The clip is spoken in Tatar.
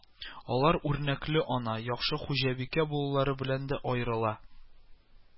Алар үрнәкле ана, яхшы хуҗабикә булулары белән дә аерыла